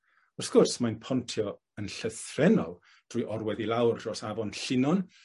Wrth gwrs mae'n pontio yn llythrennol trwy orwedd i lawr dros afon Llinon